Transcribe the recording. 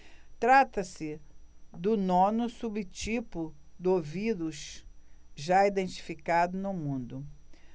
trata-se do nono subtipo do vírus já identificado no mundo